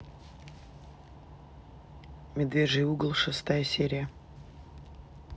медвежий угол шестая серия